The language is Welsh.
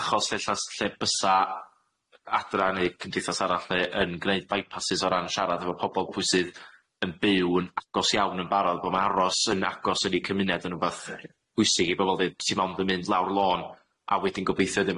achos lle llas- lle bysa adra neu cymdeithas arall lle yn gneud bypasses o ran siarad efo pobol pwy sydd yn byw yn agos iawn yn barod bo' ma' aros yn agos yn i cymuned yn wbath pwysig i bobol ddeu- ti mewn fy mynd lawr y lôn a wedyn gobeithio iddym